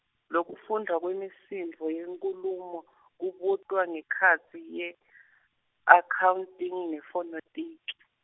Lokufundvwa kwemisindvo yenkhulumo kubitwa ngekutsi yi-accounting nephonetics.